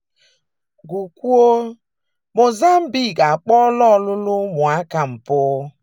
Gụkwuo: Mozambique akpọọla ọlụlụ ụmụaka mpụ